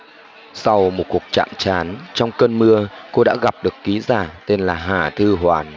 sau một cuộc chạm trán trong cơn mưa cô đã gặp được ký giả tên là hà thư hoàn